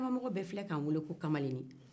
kɛnɛmamɔgɔ bɛɛ filɛ